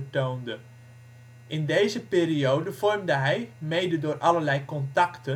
toonde. In deze periode vormde hij (mede door allerlei contacten